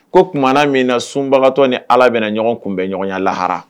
Ko tumaumana min na sunbagagantɔ ni allah bɛna na ɲɔgɔn kun bɛ ɲɔgɔnya lahara.